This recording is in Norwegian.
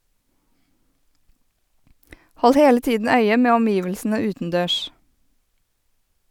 Hold hele tiden øye med omgivelsene utendørs.